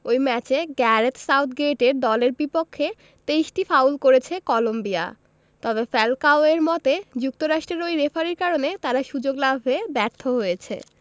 ওই ম্যাচে গ্যারেথ সাউথগেটের দলের বিপক্ষে ২৩টি ফাউল করেছে কলম্বিয়া তবে ফ্যালকাওয়ের মতে যুক্তরাষ্ট্রের ওই রেফারির কারণে তারা সুযোগ লাভে ব্যর্থ হয়েছে